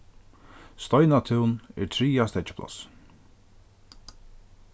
steinatún er triðja steðgiplássið